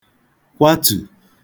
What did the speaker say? kwatù